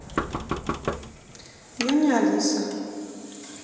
я не алиса